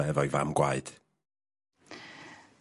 ...efo'i fam gwaed.